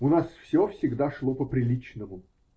*** У нас все всегда шло по-приличному.